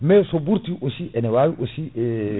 mais so ɓurti aussi ne wawi aussi